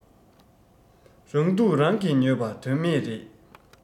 རང སྡུག རང གིས ཉོས པ དོན མེད རེད